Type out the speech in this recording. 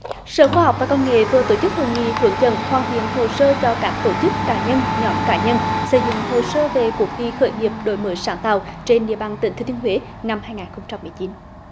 sở khoa học và công nghệ vừa tổ chức hội nghị hướng dẫn hoàn thiện hồ sơ cho các tổ chức cá nhân nhóm cá nhân xây dựng hồ sơ về cuộc thi khởi nghiệp đổi mới sáng tạo trên địa bàn tỉnh thừa thiên huế năm hai ngàn không trăm mười chín